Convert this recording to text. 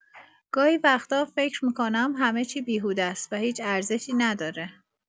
گاهی وقتا فکر می‌کنم همه چی بیهودست و هیچ ارزشی نداره.